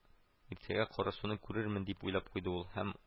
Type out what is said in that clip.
Иртәгә Карасуны күрермен,—дип уйлап куйды ул һәм